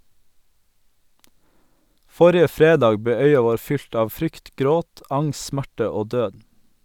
Forrige fredag ble øya vår fylt av frykt, gråt, angst, smerte og død.